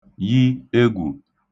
yi egwù